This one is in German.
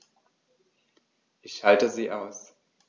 Ich schalte sie aus.